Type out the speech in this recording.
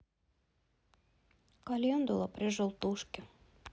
календула при желтушке